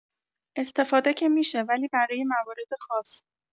استفاده که می‌شه ولی برای موارد خاص